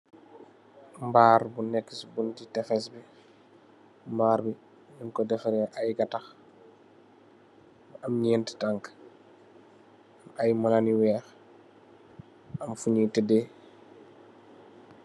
Mbaar bu nekk ci buntu tafès bi, mbaar bi nung ko defarè ay gatah am nènti tank ak ay malan yu weeh am fu ngi tadè.